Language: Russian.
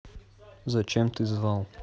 зачем ты вызвал